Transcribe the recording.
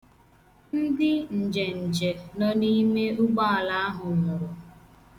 Ndị njenje nọ n'ime ụgbọala ahụ nwụrụ.